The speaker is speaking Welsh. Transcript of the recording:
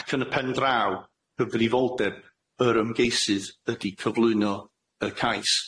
Ac yn y pen draw y cyfrifoldeb yr ymgeisydd ydi cyflwyno y cais.